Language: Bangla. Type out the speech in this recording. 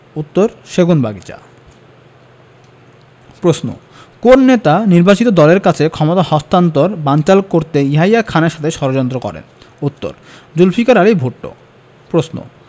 উত্তরঃ সেগুনবাগিচা প্রশ্ন কোন নেতা নির্বাচিত দলের কাছে ক্ষমতা হস্তান্তর বানচাল করতে ইয়াহিয়া খানের সাথে ষড়যন্ত্র করেন উত্তরঃ জুলফিকার আলী ভুট্ট প্রশ্ন